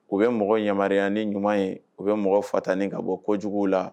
U bɛ mɔgɔ yamaruyaya ni ɲuman ye u bɛ mɔgɔ fata ni ka bɔ jugu la